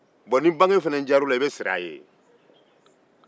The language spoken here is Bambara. ni bange fana diyara u la i bɛ sira ye